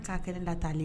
' kɛlɛ da taalen